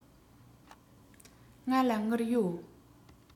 ང ལ དངུལ ཡོད